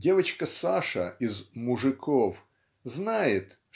Девочка Саша из "Мужиков" знает